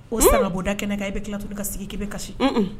O sirabɔ da kɛnɛ i bɛ ki to kasi sigi k' bɛ kasi